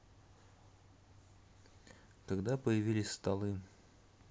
когда появились столы